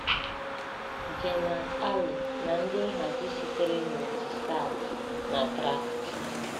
Jannat Ali na ndị nhazi sitere na òtù Sathi na Track-T.